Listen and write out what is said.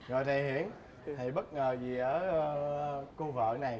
rồi thầy hiển thầy bất ngờ gì ở cô vợ này